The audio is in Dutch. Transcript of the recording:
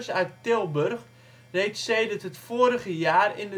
uit Tilburg, reeds sedert het vorige jaar in